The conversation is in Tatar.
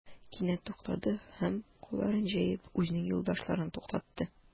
Кинәт туктады һәм, кулларын җәеп, үзенең юлдашларын туктатты.